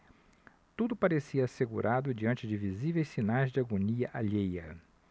tudo parecia assegurado diante de visíveis sinais de agonia alheia